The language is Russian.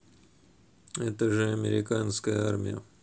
это же американская армия